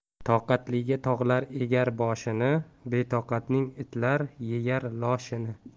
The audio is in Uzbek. toqatliga tog'lar egar boshini betoqatning itlar yeyar loshini